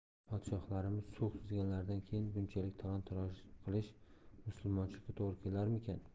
podshohlarimiz sulh tuzganlaridan keyin bunchalik talon toroj qilish musulmonchilikka to'g'ri kelarmikin